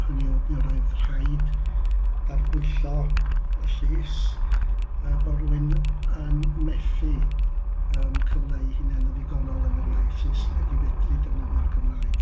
Hynny yw buodd roedd rhaid darbwyllo y llys yy bod rhywun yn methu yym cyfleu ei hunain yn ddigonol yn yr iaith Saesneg i fedru defnyddio'r Gymraeg.